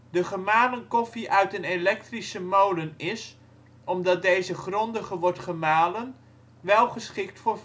De gemalen koffie uit een elektrische molen is, omdat deze grondiger wordt gemalen, wel geschikt voor